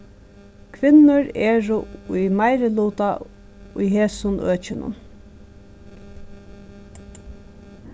kvinnur eru í meiriluta í hesum økinum